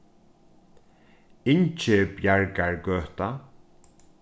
ingibjargargøta